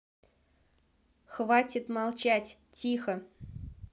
хватит молчать тихо